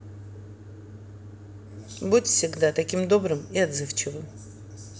будь всегда таким добрым и отзывчивым